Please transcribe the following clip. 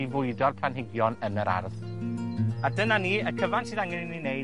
i fwydo'r planhigion yn yr ardd. A dyna ni, y cyfan sydd angen i ni neud